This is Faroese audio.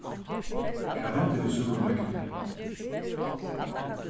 hvat hendi við súrum regni